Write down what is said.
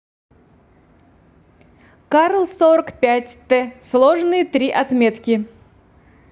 карл сорок пять т сложные три отметки